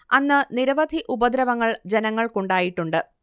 അന്ന് നിരവധി ഉപദ്രവങ്ങൾ ജനങ്ങൾക്കുണ്ടായിട്ടുണ്ട്